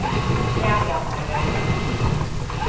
snæbjarnarvegur